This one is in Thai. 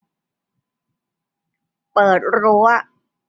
เปิดรั้ว